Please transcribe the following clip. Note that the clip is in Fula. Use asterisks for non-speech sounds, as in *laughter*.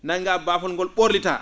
nanngaa baafol ngol ?orlitaa *noise*